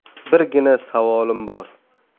birgina savolim bor